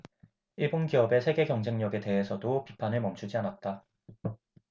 일본 기업의 세계 경쟁력에 대해서도 비판을 멈추지 않았다